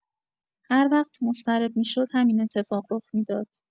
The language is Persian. هر وقت مضطرب می‌شد همین اتفاق رخ می‌داد.